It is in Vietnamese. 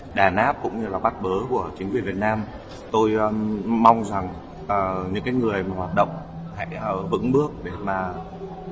đàn áp cũng như là bắt bớ của chính quyền việt nam tôi mong rằng ở những cái người mà hoạt động hãy vững bước để mà